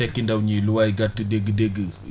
tekki ndaw ñi lu waay gàtt dégg-dégg